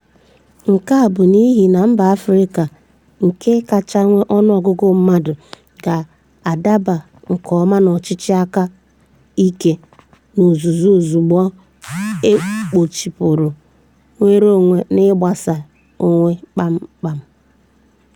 Nke a bụ n'ihi na mba Afịrịka nke kacha nwee ọnụọgụgụ mmadụ ga-adaba nke ọma n'ọchịchị aka ike n'ozuzu ozugbo e kpochapụrụ nnwere onwe n'igosipụta onwe kpamkpam.